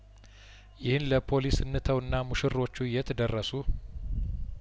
ይህን ለፖሊስ እንተውና ሙሽሮቹ የት ደረሱ